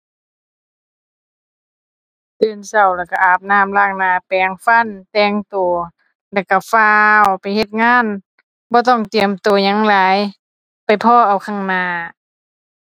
ตื่นเช้าแล้วเช้าอาบน้ำ ล้างหน้า แปรงฟัน แต่งเช้า แล้วเช้าฟ้าวไปเฮ็ดงาน บ่ต้องเตรียมเช้าหยังหลาย ไปพ้อเอาข้างหน้า